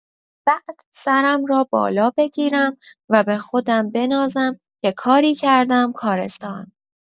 بعد سرم را بالا بگیرم و به خودم بنازم که کاری کردم کارستان!